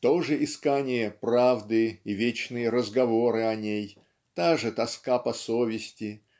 то же искание правды и вечные разговоры о ней та же тоска по совести